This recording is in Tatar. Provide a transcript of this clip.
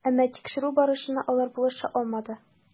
Әмма тикшерү барышына алар булыша алмады.